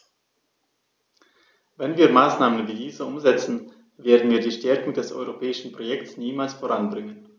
Wenn wir Maßnahmen wie diese umsetzen, werden wir die Stärkung des europäischen Projekts niemals voranbringen.